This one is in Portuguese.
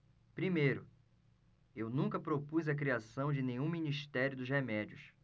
primeiro eu nunca propus a criação de nenhum ministério dos remédios